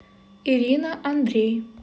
ирина андрей